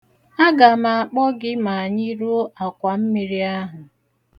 Aga m akpọ gị ma anyị ruo akwammiri ahụ.